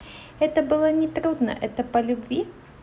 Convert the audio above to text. это было нетрудно это по любви